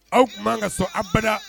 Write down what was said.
Aw tun ka sɔn anbada